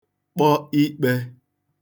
kpọ ikpe